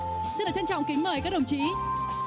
xin được trân trọng kính mời các đồng chí